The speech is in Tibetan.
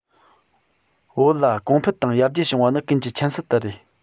བོད ལ གོང འཕེལ དང ཡར རྒྱས བྱུང བ ནི ཀུན གྱི མཁྱེན གསལ ལྟར རེད